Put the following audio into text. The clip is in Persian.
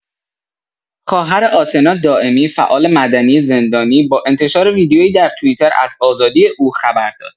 خواهر آتنا دائمی، فعال مدنی زندانی، با انتشار ویدیویی در توییتر از آزادی او خبر داد.